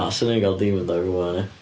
'Swn i'n cael Demon Dog 'wan, ia.